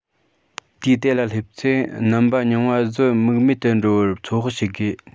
དུས དེ ལ སླེབས ཚེ རྣམ པ རྙིང བ གཟོད རྨེག མེད དུ འགྲོ བར ཚོད དཔག བྱེད དགོས